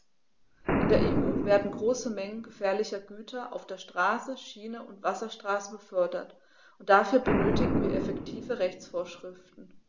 In der EU werden große Mengen gefährlicher Güter auf der Straße, Schiene und Wasserstraße befördert, und dafür benötigen wir effektive Rechtsvorschriften.